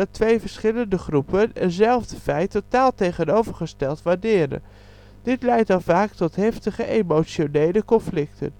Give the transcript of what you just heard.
twee verschillende groepen eenzelfde feit totaal tegenovergesteld waarderen. Dit leidt dan vaak tot heftige, emotionele conflicten